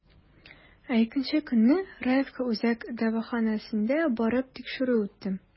Ә икенче көнне, Раевка үзәк дәваханәсенә барып, тикшерү үттем.